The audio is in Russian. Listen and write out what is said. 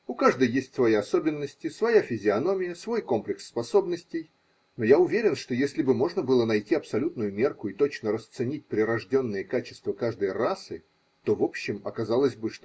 У каждой есть свои особенности, своя физиономия, свой комплекс способностей, но я уверен, что если бы можно было найти абсолютную мерку и точно расценить прирожденные качества каждой расы, то в общем оказалось бы.